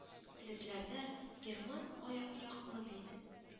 - терекләрдә герман аякяклы бит